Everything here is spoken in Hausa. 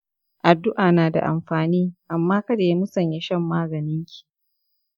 addu'a nada amfani, amma kada ya musanya shan maganin ki.